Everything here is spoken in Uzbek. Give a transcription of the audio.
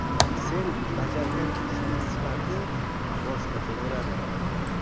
sen bajargan ishning sifati boshqacha bo'ladi